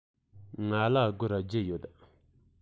ང ལ སྒོར བརྒྱད ཡོད